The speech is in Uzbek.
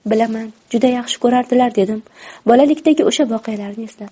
bilaman juda yaxshi ko'rardilar dedim bolalikdagi o'sha voqealarni eslab